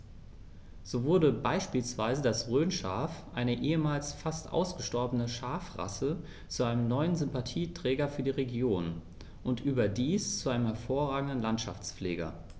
So wurde beispielsweise das Rhönschaf, eine ehemals fast ausgestorbene Schafrasse, zu einem neuen Sympathieträger für die Region – und überdies zu einem hervorragenden Landschaftspfleger.